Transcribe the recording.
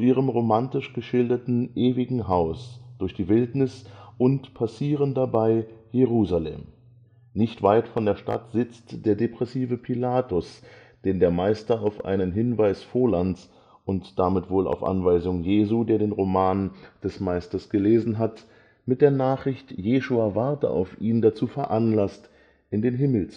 romantisch geschilderten „ ewigen Haus “durch die Wildnis und passieren dabei Jerusalem. Nicht weit von der Stadt sitzt der depressive Pilatus, den der Meister auf einen Hinweis Volands (und damit wohl auf Anweisung Jesu, der den Roman des Meisters gelesen hat), mit der Nachricht, Jeschua warte auf ihn, dazu veranlasst, in den